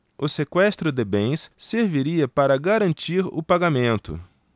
o sequestro de bens serviria para garantir o pagamento